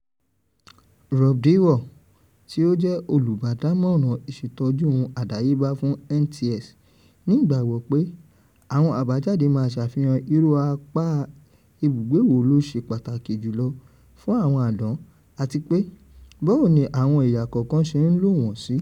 Rob Dewar, tí ó jẹ́ olùdámọ̀ràn ìṣètọ́jú ohun àdáyébá fún NTS, ní ìgbàgbọ pé àwọn àbájáde máa ṣàfihàn irú apá ibúgbé wo ló ṣe pàtàkì jùlọ fún àwọn àdán àtipé báwo ni àwọn ẹ̀yà kọ̀ọ̀kan ṣe ń lò wọ́n sí.